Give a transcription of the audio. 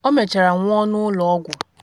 Ọ mechara nwụọ n’ụlọ ọgwụ.